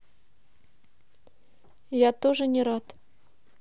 я тоже не рад